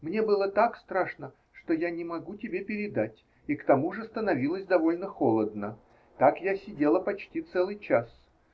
Мне было так страшно, что я не могу тебе передать, и к тому же становилось довольно холодно. Так я сидела почти целый час.